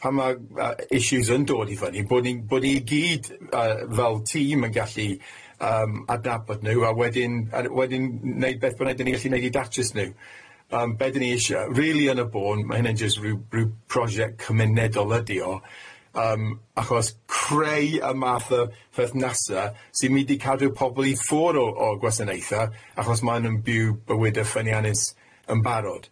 pan ma' issues yn dod i fyny bod ni'n bod ni i gyd yy fel tîm yn gallu yym adnabod n'w a wedyn a wedyn neud beth bynnag 'dan ni gallu neud i datrys n'w, yym be 'dan ni isie, rili yn y bôn ma' hynna'n jyst ryw ryw prosiect cymunedol ydi o yym achos creu y math o berthnase sy'n mynd i cadw pobl i ffwr' o o gwasanaethe achos ma' n'w'n byw bywydau ffyniannus yn barod.